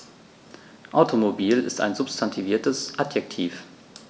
Automobil ist ein substantiviertes Adjektiv.